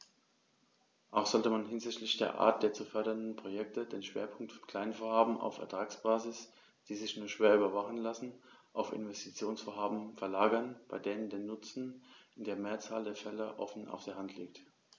Auch sollte man hinsichtlich der Art der zu fördernden Projekte den Schwerpunkt von Kleinvorhaben auf Ertragsbasis, die sich nur schwer überwachen lassen, auf Investitionsvorhaben verlagern, bei denen der Nutzen in der Mehrzahl der Fälle offen auf der Hand liegt.